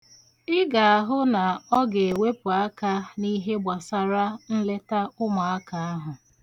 Ị ga-ahụ na ọ ga-ewepu aka n'ihe gbasara nleta ụmụaka ahụ.